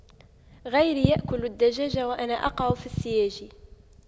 غيري يأكل الدجاج وأنا أقع في السياج